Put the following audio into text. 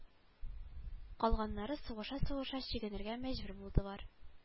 Калганнары сугыша-сугыша чигенергә мәҗбүр булдылар